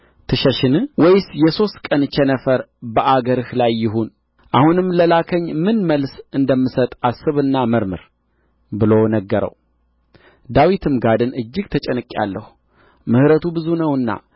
ትሸሽን ወይስ የሦስት ቀን ቸነፈር በአገርህ ላይ ይሁን አሁንም ለላከኝ ምን መልስ እንደምሰጥ አስብና መርምር ብሎ ነገረው ዳዊትም ጋድን እጅግ ተጨንቄአለሁ ምሕረቱ ብዙ ነውና